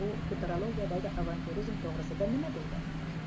u futurologiyadagi avantyurizm to'g'risida nima deydi